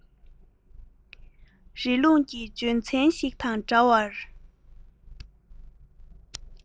རི ཀླུང གི ལྗོན ཚལ ཞིག དང འདྲ བར